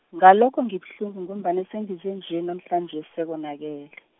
ngalokho ngibuhlungu ngombana sengiza nje, namhlanje sekonakele.